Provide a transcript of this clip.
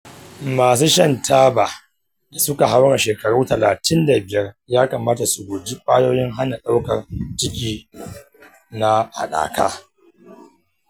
masu shan taba da suka haura shekaru talatin da biyar ya kamata su guji ƙwayoyin hana ɗaukar ciki na haɗaka.